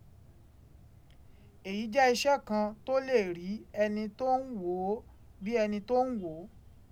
Èyí jẹ́ iṣẹ́ kan tó lè rí ẹni tó ń wò ó bí ẹni tó ń wò ó.